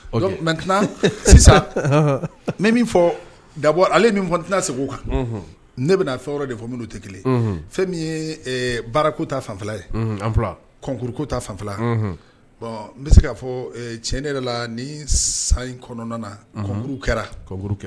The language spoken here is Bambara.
Ɔ mɛt sisan min min fɔ dabɔ ale min fɔt segu kan ne bɛna fɛn yɔrɔ de fɔ minnu tɛ kelen fɛn min ye baarako fan yemkuruku fan fila n bɛ se k kaa fɔ tiɲɛ ne yɛrɛ la ni san in kɔnɔna kommuruuru kɛrauru kɛ